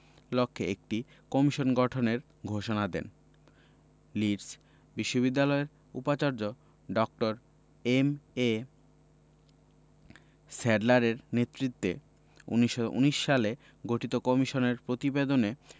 লক্ষ্যে একটি কমিশন গঠনের ঘোষণা দেন লিড্স বিশ্ববিদ্যালয়ের উপাচার্য ড. এম.এ স্যাডলারের নেতৃত্বে ১৯১৯ সালে গঠিত কমিশনের প্রতিবেদনে